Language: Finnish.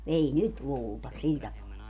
ei nyt luulla sillä tapaa